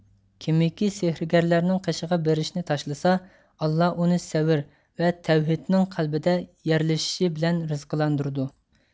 كېمىكى سېھىرگەرلەرنىڭ قېشىغا بېرىشنى تاشلىسا ئاللا ئۇنى سەۋر ۋە تەۋھىدنىڭ قەلبىدە يەرلىشىشى بىلەن رىزقىلاندۇرىدۇ